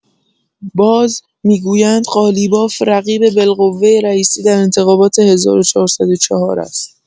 باز، می‌گویند قالیباف رقیب بالقوه رئیسی در انتخابات ۱۴۰۴ است.